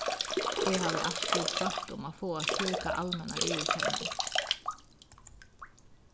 eg havi altíð droymt um at fáa slíka almenna viðurkenning